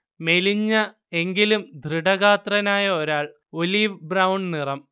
മെലിഞ്ഞ, എങ്കിലും ദൃഢഗാത്രനായ ഒരാൾ, ഒലിവ്-ബ്രൗൺ നിറം